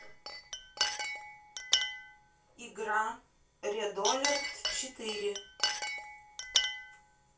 игра редолерт четыре